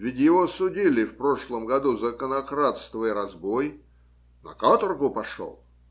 Ведь его судили в прошлом году за конокрадство и разбой. На каторгу пошел.